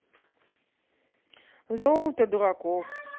золото дураков